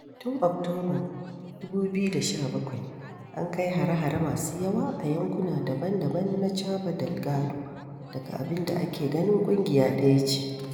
Tun Oktoban 2017, an kai hare-hare masu yawa a yankuna daban-daban na Cabo Delgado daga abin da ake ganin ƙungiya ɗaya ce.